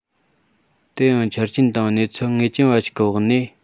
དེ ཡང ཆ རྐྱེན དང གནས ཚུལ ངེས ཅན པ ཞིག གི འོག ནས